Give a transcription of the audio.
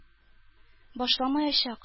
Башламаячак